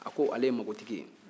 a ko ale ye mako tigi ye